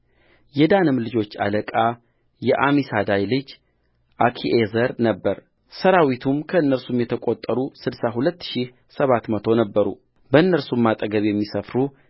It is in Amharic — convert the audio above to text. የዳንም ልጆች አለቃ የአሚሳዳይ ልጅ አኪዔዘር ነበረሠራዊቱም ከእነርሱም የተቈጠሩ ስድሳ ሁለት ሺህ ሰባት መቶ ነበሩበእነርሱም አጠገብ የሚሰፍሩ